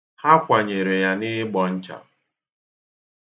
Ha kwanyere ya n'ịgbọ ncha.